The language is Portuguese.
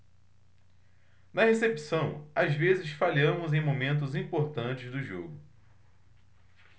na recepção às vezes falhamos em momentos importantes do jogo